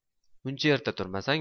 muncha erta turmasang